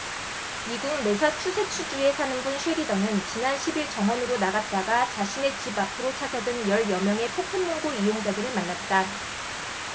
미국 매사추세츠주에 사는 분 셰리던은 지난 십 일 정원으로 나갔다가 자신의 집 앞으로 찾아든 열 여명의 포켓몬 고 이용자들을 만났다